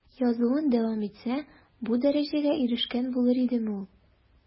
Язуын дәвам итсә, бу дәрәҗәгә ирешкән булыр идеме ул?